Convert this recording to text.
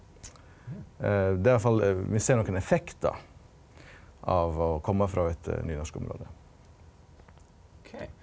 det er i alle fall vi ser nokon effektar av å komma frå eit nynorskområde.